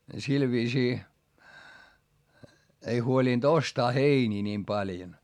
sillä viisiin ei huolinut ostaa heiniä niin paljon